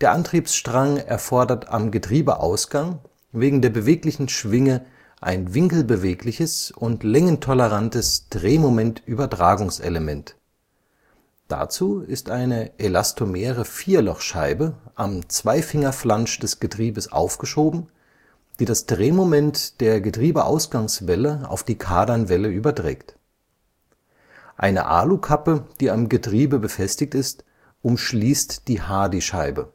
Antriebsstrang erfordert am Getriebeausgang wegen der beweglichen Schwinge ein winkelbewegliches und längentolerantes Drehmomentübertragungselement. Dazu ist eine elastomere Vierlochscheibe (Hardyscheibe) am Zweifingerflansch des Getriebes aufgeschoben, die das Drehmoment der Getriebeausgangswelle auf die Kardanwelle überträgt. Eine Alukappe, die am Getriebe befestigt ist, umschließt die Hardyscheibe